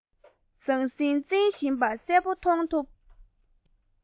ཟང ཟིང རྩེན བཞིན པ གསལ པོ མཐོང ཐུབ